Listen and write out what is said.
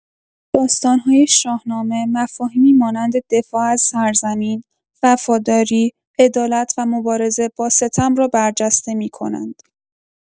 داستان‌های شاهنامه مفاهیمی مانند دفاع از سرزمین، وفاداری، عدالت و مبارزه با ستم را برجسته می‌کنند.